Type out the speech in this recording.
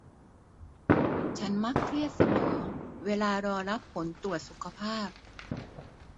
ฉันมักเครียดเสมอเวลารอรับผลตรวจสุขภาพ